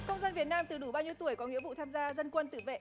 công dân việt nam từ đủ bao nhiêu tuổi có nghĩa vụ tham gia dân quân tự vệ